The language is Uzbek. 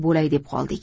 bo'lay deb qoldik